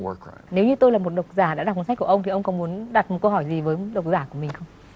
nếu như tôi là một độc giả đã đọc cuốn sách của ông thì ông có muốn đặt một câu hỏi gì với độc giả của mình không